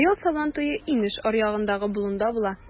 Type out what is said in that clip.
Быел Сабантуе инеш аръягындагы болында була.